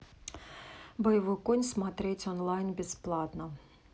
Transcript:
боевой конь смотреть онлайн бесплатно